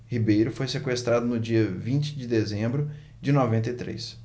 ribeiro foi sequestrado no dia vinte de dezembro de noventa e três